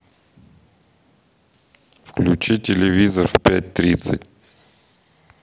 включи телевизор в пять тридцать